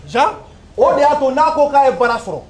Ja o de y'a to n'a ko k'a ye baara sɔrɔ